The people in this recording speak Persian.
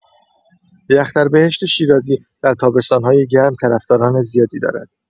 یخ در بهشت شیرازی در تابستان‌های گرم طرفداران زیادی دارد.